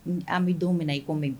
An bɛ don na i ko mɛn